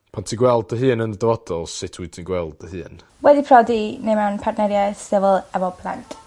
Pan ti'n gweld dy hun yn y dyfodol sut wyt ti'n gweld dy hun? Wedi priodi neu mewn partneriaeth efo efo plant.